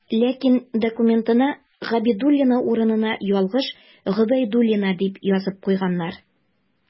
Ләкин документына «Габидуллина» урынына ялгыш «Гобәйдуллина» дип язып куйганнар.